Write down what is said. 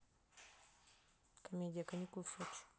комедия каникулы в сочи